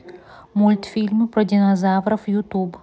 мультфильмы про динозавров ютуб